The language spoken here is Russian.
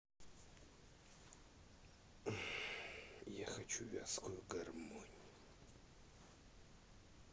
я хочу вязкую гармонь